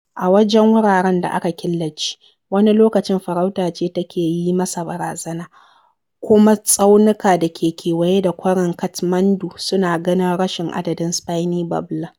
A wajen wuraren da aka killace, wani lokacin farauta ce take yi masa barazana, kuma tsaunukan da ke kewaye da kwarin Kathmandu suna ganin rashin adadin Spiny Babbler.